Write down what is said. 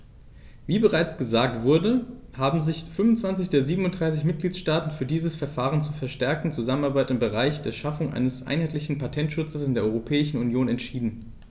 Wie bereits gesagt wurde, haben sich 25 der 27 Mitgliedstaaten für dieses Verfahren zur verstärkten Zusammenarbeit im Bereich der Schaffung eines einheitlichen Patentschutzes in der Europäischen Union entschieden.